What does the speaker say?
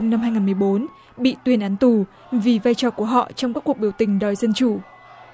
năm hai nghìn mười bốn bị tuyên án tù vì vai trò của họ trong các cuộc biểu tình đòi dân chủ